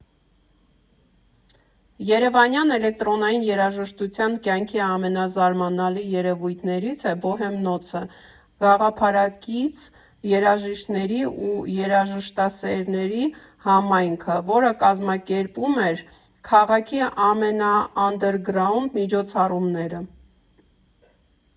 Երևանյան էլեկտրոնային երաժշտության կյանքի ամենազարմանալի երևույթներից է Բոհեմնոցը՝ գաղափարակից երաժիշտների ու երաժշտասերների համայնքը, որը կազմակերպում էր քաղաքի ամենաանդերգրաունդ միջոցառումները։